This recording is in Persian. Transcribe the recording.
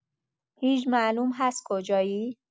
هیچ معلوم هست کجایی؟